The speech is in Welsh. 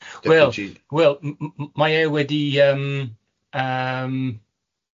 Wel, wel m- m- m- mae e wedi yym, yym